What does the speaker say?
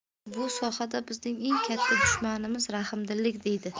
bu sohada bizning eng katta dushmanimiz rahmdillik deydi